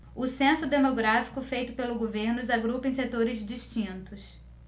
o censo demográfico feito pelo governo os agrupa em setores distintos